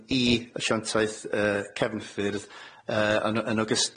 yym i asiantaeth yy cefnffyrdd y- yn o- yn ogystal â